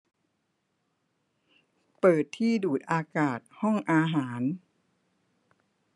เปิดที่ดูดอากาศห้องอาหาร